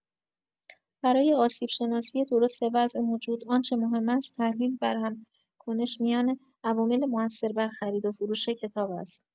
برای آسیب‌شناسی درست وضع موجود آنچه مهم است تحلیل برهم‌کنش میان عوامل موثر بر خرید و فروش کتاب است.